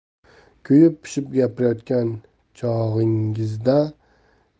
kuyib pishib gapirayotgan chog'ingizda miyig'ida